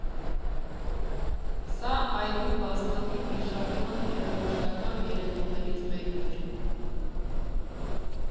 Սա այգու բազմաթիվ հիշարժան երաժշտական երեկոներից մեկն էր։